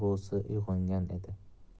ilk tug'usi uyg'ongan edi